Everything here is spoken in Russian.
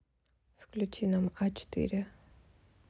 включи нам а четыре